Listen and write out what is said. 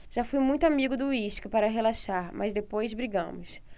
já fui muito amigo do uísque para relaxar mas depois brigamos